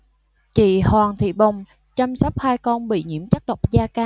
chị hoàng thị bồng chăm sóc hai con bị nhiễm chất độc da cam